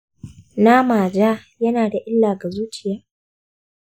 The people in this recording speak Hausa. nama ja yana da illa ga zuciya?